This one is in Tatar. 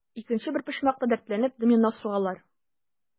Икенче бер почмакта, дәртләнеп, домино сугалар.